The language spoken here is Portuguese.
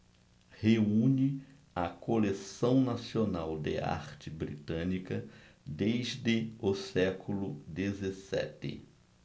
reúne a coleção nacional de arte britânica desde o século dezessete